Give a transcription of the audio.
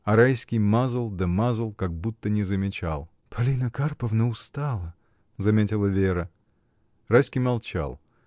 А Райский мазал да мазал, как будто не замечал. — Полина Карповна устала! — заметила Вера. Райский молчал.